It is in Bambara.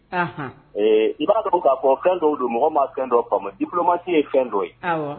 N b'a tɔgɔ k'a fɔ fɛn dɔ o don mɔgɔ ma fɛn dɔ ma dimasi ye fɛn dɔ ye